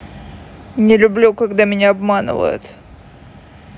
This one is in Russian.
не люблю когда меня обманывают